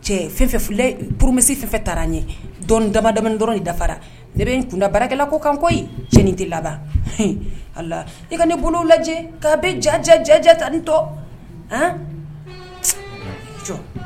Cɛ fɛnfɛ poromisi fɛnfɛ taara an ɲɛ damada dɔrɔn nin dafara ne bɛ n kun barakɛla ko kan ko cɛn tɛ laban a i ka ne bolo lajɛ ka'a bɛ jaja ja ja ta ni tɔ